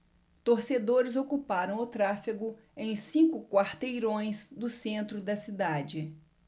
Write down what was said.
torcedores ocuparam o tráfego em cinco quarteirões do centro da cidade